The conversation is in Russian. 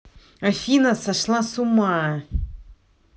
афина сошла с ума